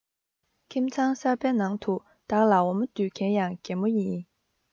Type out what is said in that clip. ཁྱིམ ཚང གསར བའི ནང དུ བདག ལ འོ མ ལྡུད མཁན ཡང རྒན མོ ཡིན